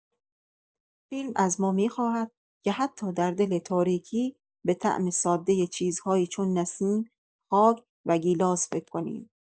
فیلم از ما می‌خواهد که حتی در دل تاریکی، به طعم سادۀ چیزهایی چون نسیم، خاک و گیلاس فکر کنیم.